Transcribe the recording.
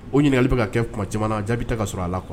O ɲininkali bɛ ka kɛ kuma caman na jaabi bɛ ta ka sɔrɔ a la kuwa